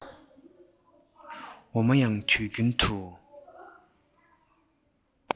འོ མ ཡང དུས རྒྱུན དུ